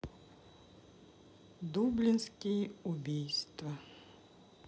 дублинские убийства